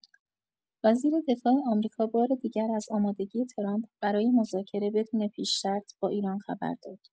وزیر دفاع آمریکا بار دیگر از آمادگی ترامپ برای مذاکره بدون پیش‌شرط با ایران خبر داد.